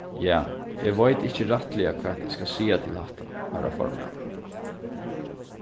ja eg veit ikki rættiliga hvat eg skal siga til hatta harra formaður